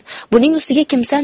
buning ustiga kimsan